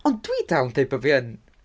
Ond dwi'n dal yn deud bod fi yn...